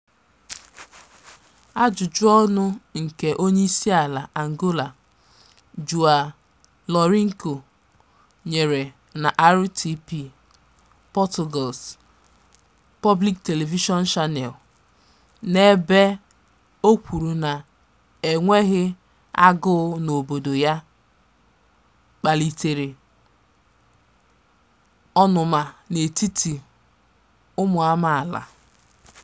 Ajụjụọnụ nke Onyeisiala Angola João Lourenço nyere na RTP, Portugal’s Public Television Channel, n'ebe o kwụrụ na enweghị agụụ n'obodo ya, kpalitere ọṅụma n'etiti ụmụamaala.